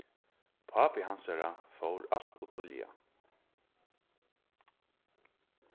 pápi hansara fór alt ov tíðliga